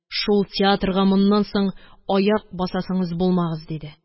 Шул театрга моннан соң аяк басасыңыз булмагыз! – диде.